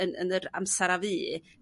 Yn yn yr amser a fu